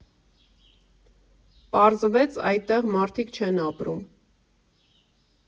Պարզվեց՝ այդտեղ մարդիկ չեն ապրում։